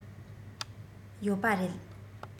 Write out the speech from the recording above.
ཡོད པ རེད